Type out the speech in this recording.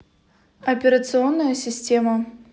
операционная система